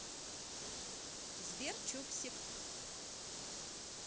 сбер чупсик